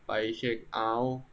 ไปที่เช็คเอ้าท์